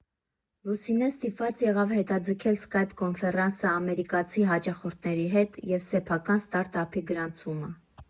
Լուսինեն ստիպված եղավ հետաձգել սկայպ֊կոնֆերանսը ամերիկացի հաճախորդների հետ և սեփական ստարտ֊ափի գրանցումը։